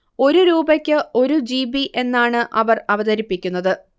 ഒരു രൂപയ്ക്ക് ഒരു ജിബിയെന്നാണ് അവർ അവതരിപ്പിക്കുന്നത്